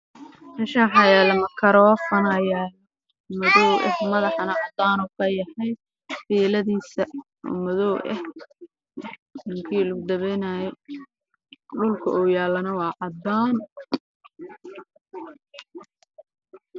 Meeshaan waxa yaa makaroofan